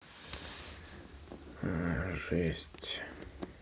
а жесть